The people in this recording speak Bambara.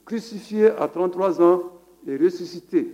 Crucifié après 33 ans et ressuscité